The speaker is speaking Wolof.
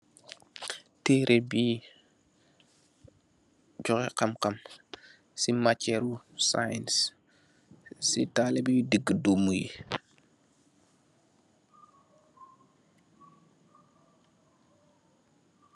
Terai bi joxeh xamxam si maceru science si talibex digidommo ye.